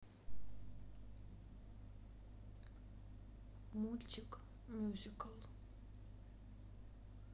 мультик мюзикл